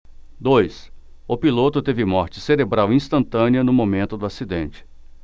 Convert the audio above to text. dois o piloto teve morte cerebral instantânea no momento do acidente